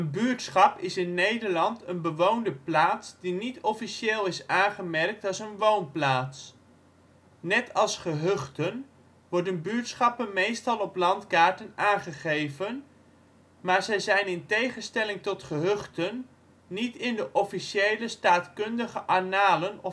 buurtschap is in Nederland een bewoonde plaats die niet officieel is aangemerkt als een woonplaats [bron?]. Net als gehuchten worden buurtschappen meestal op landkaarten aangegeven, maar zij zijn in tegenstelling tot gehuchten niet in de officiële staatkundige annalen of